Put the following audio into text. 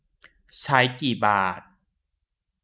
ใช้กี่บาท